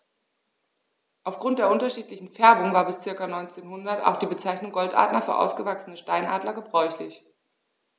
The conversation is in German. Auf Grund der unterschiedlichen Färbung war bis ca. 1900 auch die Bezeichnung Goldadler für ausgewachsene Steinadler gebräuchlich.